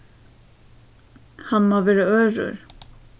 hann má vera ørur